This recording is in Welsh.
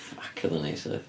Ffyc, oedd o'n neis 'fyd.